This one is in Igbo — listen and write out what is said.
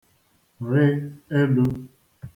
rị elū